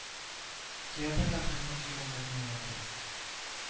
Театр да хезмәт сөйгәннәрне ярата